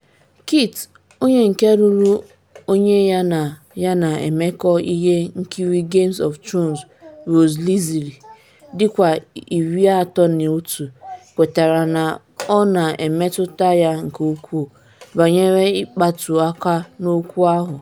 Kit, onye nke lụrụ onye ya na ya na-emekọ ihe nkiri Game of Thrones Rose Leslie, dịkwa 31, kwetara na ọ ‘na-emetụta ya nke ukwuu’ banyere ịkpatụ aka n’okwu ahụ.